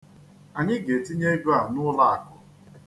Anyị ga-etinye ego a n'ụlọakụ.